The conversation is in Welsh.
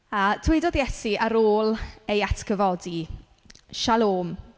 A dywedodd Iesu ar ôl ei atgyfodi "Shalom".